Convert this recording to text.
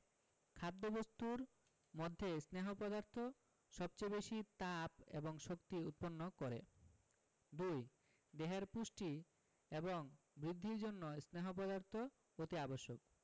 খাদ্যবস্তুর মধ্যে স্নেহ পদার্থ সবচেয়ে বেশী তাপ এবং শক্তি উৎপন্ন করে ২. দেহের পুষ্টি এবং বৃদ্ধির জন্য স্নেহ পদার্থ অতি আবশ্যক